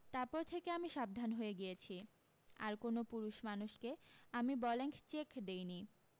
তারপর থেকে আমি সাবধান হয়ে গিয়েছি আর কোন পুরুষ মানুষকে আমি বল্যাংক চেক দিইনি